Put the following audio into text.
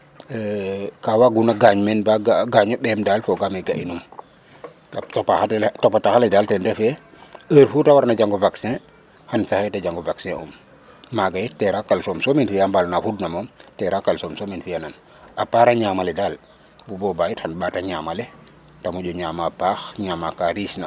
Ka waaguna gaañ meen ba gaañ o meem daal fogaam ee ga'inum a topatax ale daal ten refee heure fu ta warna jang o vaccin xan fexey ta jang o vaccin um maaga yit terra calcium fi'aa mbaal na fudna moom terra calcium soom um fi'aa a part a ñaamale daal bu booba yit xan a ñaamale ta moƴo ñaamaa a paax ñaamaa ka riche na.